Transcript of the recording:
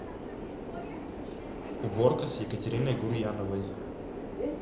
уборка с екатериной гурьяновой